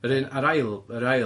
Yr un- yr ail yr ail?